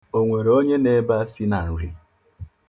O nwere onye nọ ebe a si na Nri ?